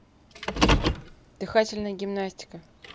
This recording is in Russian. дыхательная гимнастика